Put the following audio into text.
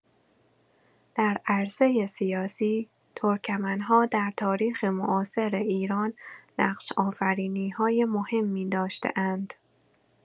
در عرصه سیاسی، ترکمن‌ها در تاریخ معاصر ایران نقش‌آفرینی‌های مهمی داشته‌اند.